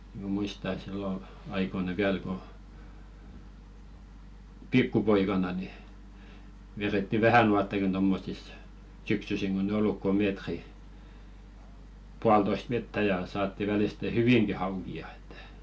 minä muistan että silloin aikoina vielä kun pikkupoikana niin vedettiin vähänuottakin tuommoisissa syksysin kun ei ollut kuin metri puolitoista vettä ja saatiin välisten hyvinkin haukia että